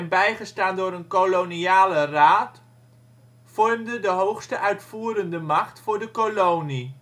bijgestaan door een Koloniale Raad (Conseil Colonial), vormde de hoogste uitvoerende macht voor de kolonie